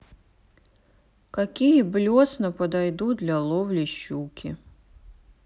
какие блесна подойдут для ловли щуки